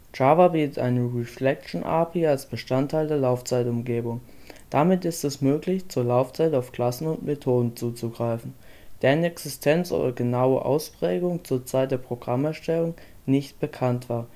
Java bietet eine Reflection-API als Bestandteil der Laufzeitumgebung. Damit ist es möglich, zur Laufzeit auf Klassen und Methoden zuzugreifen, deren Existenz oder genaue Ausprägung zur Zeit der Programmerstellung nicht bekannt war